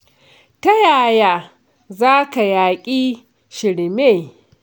Ta yaya za ka yaƙi shirme?